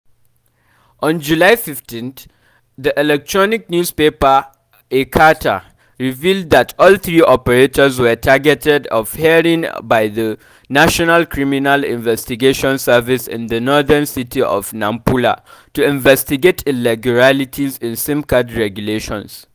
On July 15, the electronic newspaper A Carta revealed that all three operators were the target of a hearing by the National Criminal Investigation Service in the northern city of Nampula to investigate irregularities in SIM card registrations.